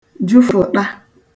jufụ̀ṭa